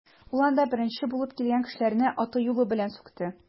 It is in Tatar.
Ул анда беренче булып килгән кешеләрне аты-юлы белән сүкте.